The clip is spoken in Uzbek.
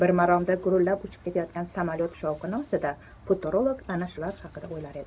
bir maromda gurillab uchib ketayotgan samolyot shovqini ostida futurolog ana shular haqida o'ylar edi